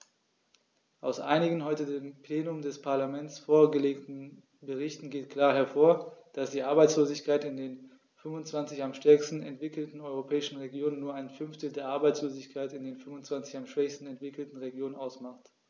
Aus einigen heute dem Plenum des Parlaments vorgelegten Berichten geht klar hervor, dass die Arbeitslosigkeit in den 25 am stärksten entwickelten europäischen Regionen nur ein Fünftel der Arbeitslosigkeit in den 25 am schwächsten entwickelten Regionen ausmacht.